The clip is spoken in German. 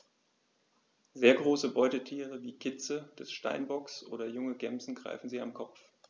Sehr große Beutetiere wie Kitze des Steinbocks oder junge Gämsen greifen sie am Kopf.